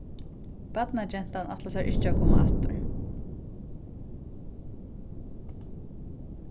barnagentan ætlar sær ikki at koma aftur